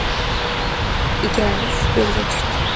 ikkalamiz yo'lga tushdik